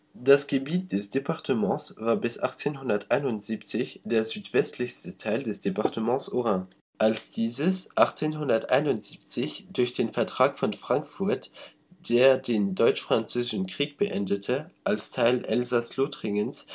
Das Gebiet des Départements war bis 1871 der südwestlichste Teil des Départements Haut-Rhin. Als dieses 1871 durch den Vertrag von Frankfurt, der den Deutsch-französischen Krieg beendete, als Teil Elsass-Lothringens